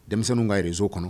Denmisɛnnin karezsoo kɔnɔ